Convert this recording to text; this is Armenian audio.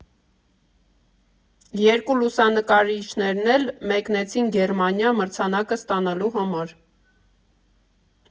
Երկու լուսանկարիչներն էլ մեկնեցին Գերմանիա մրցանակը ստանալու համար։